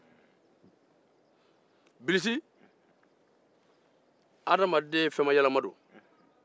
bilisi ye adamaden fɛnmayɛlɛma ye